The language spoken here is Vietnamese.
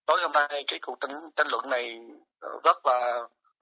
tối hôm nay nghe kỹ cuộc tranh luận này